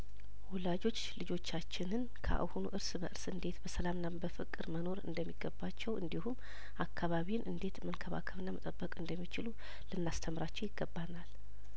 ወላጆች ልጆቻችንን ከአሁኑ እርስ በርስ እንዴት በሰላምና በፍቅር መኖር እንደሚገባቸው እንዲሁም አካባቢን እንዴት መንከባከብና መጠበቅ እንደሚችሉ ልናስ ተምራቸው ይገባናል